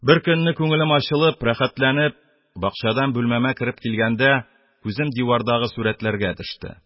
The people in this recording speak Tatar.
Беркөнне күңелем ачылып, рәхәтләнеп, бакчадан бүлмәмә кереп килгәндә, күзем дивардагы сурәтләргә төште. -